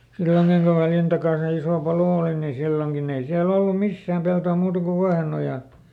silloinkin kun Väljän takana se iso palo oli niin silloinkin ei siellä ollut missään peltoa muuta kuin Vuohenojan